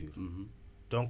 météo